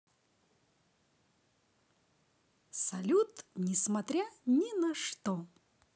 салют несмотря ни на что